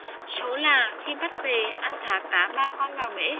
số là khi bắt về anh thả cả ba con vào bể